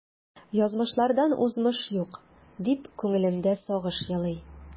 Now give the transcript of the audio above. Язмышлардан узмыш юк, дип күңелемдә сагыш елый.